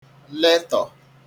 lẹtọ̀